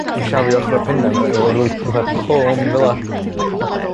'di shafio ochra' penna n'w efo rw fatha comb fel 'a. Ma'